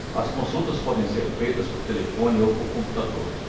as consultas podem ser feitas por telefone ou por computador